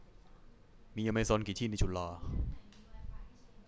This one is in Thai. มีอเมซอนกี่ที่ในจุฬา